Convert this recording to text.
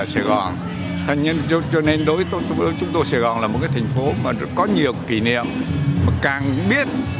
sài gòn hạt nhân yếu cho nên đối phương chúng tôi sài gòn là một cách thành phố mà có nhiều kỷ niệm mặc càng